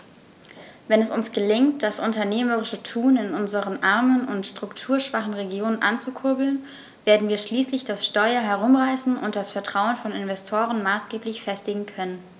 Wenn es uns gelingt, das unternehmerische Tun in unseren armen und strukturschwachen Regionen anzukurbeln, werden wir schließlich das Steuer herumreißen und das Vertrauen von Investoren maßgeblich festigen können.